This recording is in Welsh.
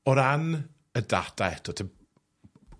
O ran y data eto t'b-